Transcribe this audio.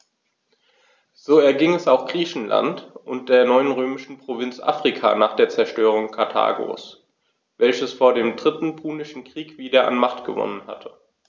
So erging es auch Griechenland und der neuen römischen Provinz Afrika nach der Zerstörung Karthagos, welches vor dem Dritten Punischen Krieg wieder an Macht gewonnen hatte.